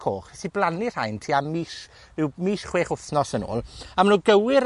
coch. Nes i blannu rhain tua mis, ryw mis chwech wthnos yn ôl, a ma' nw gywir